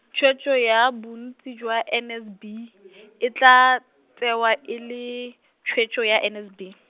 tshwetso ya bontsi jwa N S B , e tla tsewa e le, tshwetso ya N S B.